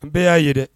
N bɛɛ y'a ye dɛ